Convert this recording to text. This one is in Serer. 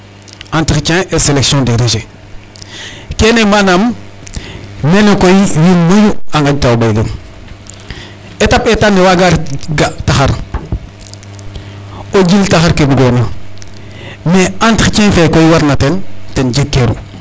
Keene manaam ,manaam koy wiin mayu a nqaƴta o ɓay den étape eetan ne waaga ret ga taxar o jil taxar ke bugoona mais entretien fe koy warna teen ten jegkeeru .